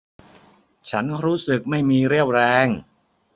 ฉันรู้สึกไม่มีเรี่ยวแรง